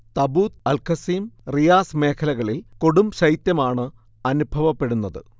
Tabuk, Al Qassim, റിയാസ് മേഖലകളിൽ കൊടുംശൈത്യമാണ് അനുഭവപ്പെടുന്നത്